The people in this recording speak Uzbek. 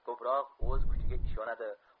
ko'proq o'z kuchiga ishonadi